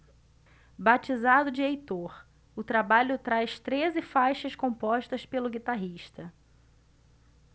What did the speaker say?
batizado de heitor o trabalho traz treze faixas compostas pelo guitarrista